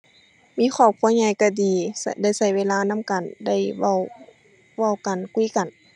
มีครอบครัวใหญ่ก็ดี ก็ ได้ก็เวลานำกัน ได้เว้า เว้ากัน คุยกัน